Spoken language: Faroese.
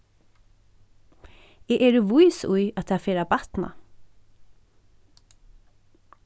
eg eri vís í at tað fer at batna